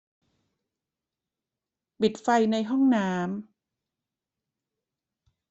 ปิดไฟในห้องน้ำ